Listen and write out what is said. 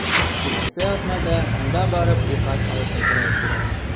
Киләсе атнада анда барып, указ алып кайтырга кирәк.